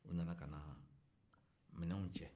u nana ka na minɛnw cɛ